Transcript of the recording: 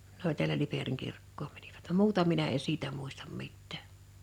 ne oli täällä Liperin kirkkoon menivät vaan muuta minä en siitä muista mitään